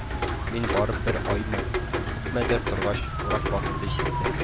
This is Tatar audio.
Мин барып бер аймы, күпмедер торгач, урак вакыты җитте